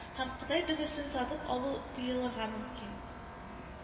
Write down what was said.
Һәм кытай дөгесен сатып алу тыелырга мөмкин